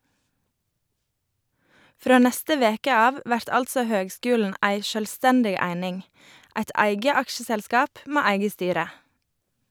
Frå neste veke av vert altså høgskulen ei sjølvstendig eining, eit eige aksjeselskap med eige styre.